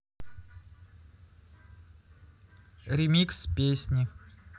ремикс песни